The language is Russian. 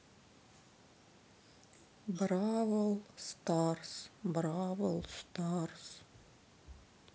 бравл старс бравл старс